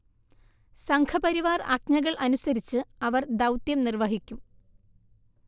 സംഘപരിവാർ ആജ്ഞകൾ അനുസരിച്ച് അവർ ദൗത്യം നിർവ്വഹിക്കും